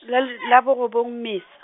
lal- labo robong Mmesa.